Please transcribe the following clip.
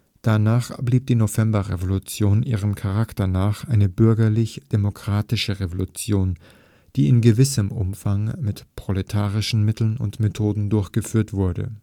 Danach blieb die Novemberrevolution „ ihrem Charakter nach eine bürgerlich-demokratische Revolution, die in gewissem Umfang mit proletarischen Mitteln und Methoden durchgeführt wurde